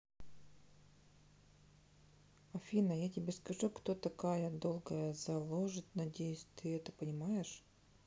афина я тебе расскажу кто такая долгая заложит надеюсь ты это понимаешь